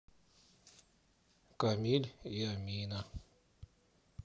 камиль и амина